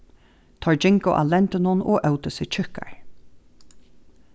teir gingu á lendinum og ótu seg tjúkkar